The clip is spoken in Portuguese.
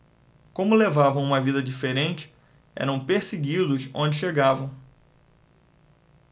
como levavam uma vida diferente eram perseguidos onde chegavam